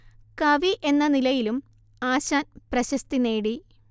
കവി എന്ന നിലയിലും ആശാൻ പ്രശസ്തി നേടി